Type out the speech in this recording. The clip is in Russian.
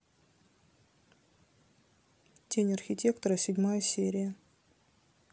тень архитектора седьмая серия